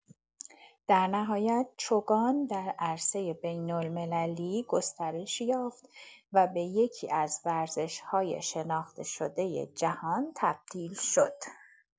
در نهایت چوگان در عرصه بین المللی گسترش یافت و به یکی‌از ورزش‌های شناخته شده جهان تبدیل شد.